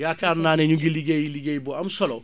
yaakaar naa ne ñu ngi liggéey liggéey bu am solo